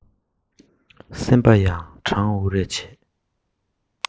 སེམས པ ཡང གྲང འུར རེ བྱས